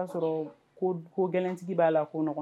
O y'a sɔrɔ ko gɛlɛnlɛntigi b'a la ko ɲɔgɔn